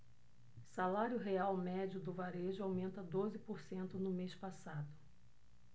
salário real médio do varejo aumenta doze por cento no mês passado